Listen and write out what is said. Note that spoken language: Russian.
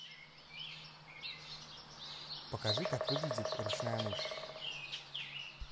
покажи как выглядит ручная мышь